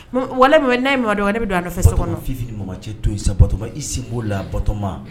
Wala nea ye m dɔn ne bɛ don a fɛ se kɔnɔ fifiinin mɔgɔ cɛ to in sa bɔtoma isin' la bɔtoma